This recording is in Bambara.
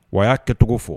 wa a y'a kɛcogo fɔ.